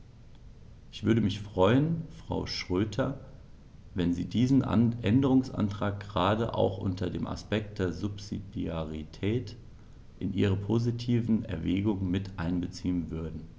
Ich würde mich freuen, Frau Schroedter, wenn Sie diesen Änderungsantrag gerade auch unter dem Aspekt der Subsidiarität in Ihre positiven Erwägungen mit einbeziehen würden.